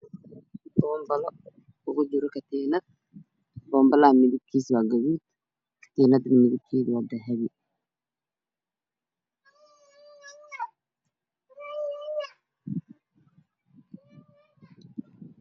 Bambaro ku jirta midabkiisa yahay dahabi baan baraha waa kuduud darbiga waa caddaan